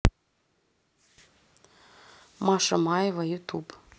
маша маева ютуб